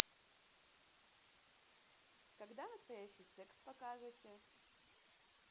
когда настоящий секс покажите